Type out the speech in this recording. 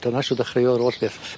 Dyna shwd ddechreuodd yr 'oll beth.